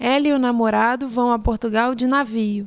ela e o namorado vão a portugal de navio